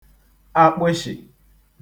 akpụshị̀